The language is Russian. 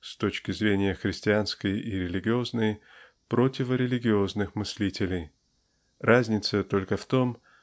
с точки зрения христианской и религиозной противорелигиозных мыслителей. Разница только в том